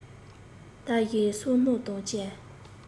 ལྟ བཞིན སུན སྣང དང བཅས